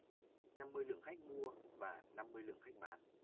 năm mươi lượng khách mua và năm mươi lượng khách bán